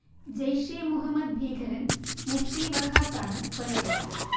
ജെയ്ഷെ മുഹമ്മദ് ഭീകരൻ മുഫ്തി വഖാസ് ആണ് കൊല്ലപ്പെട്ടത്